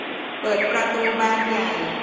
เปิดประตูบานใหญ่